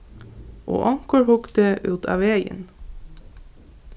og onkur hugdi út á vegin